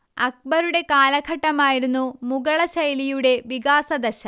അക്ബറുടെ കാലഘട്ടമായിരുന്നു മുഗളശൈലിയുടെ വികാസദശ